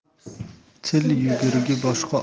til yugurigi boshga